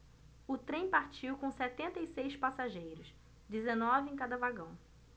o trem partiu com setenta e seis passageiros dezenove em cada vagão